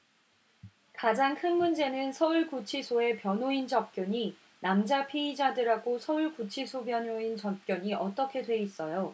가장 큰 문제는 서울 구치소에 변호인 접견이 남자 피의자들하고 서울 구치소 변호인 접견이 어떻게 돼 있어요